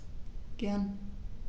Gern.